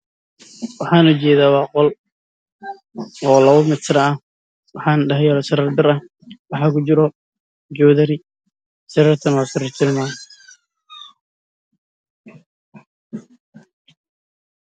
Waa sariir jiif ah waxaa saran go cadaan ah